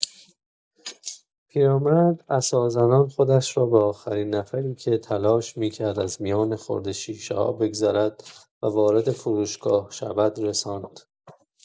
پیرمرد عصازنان خودش را به آخرین نفری که تلاش می‌کرد از میان خرده‌شیشه‌ها بگذرد و وارد فروشگاه شود، رساند.